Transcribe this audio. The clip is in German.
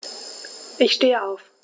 Ich stehe auf.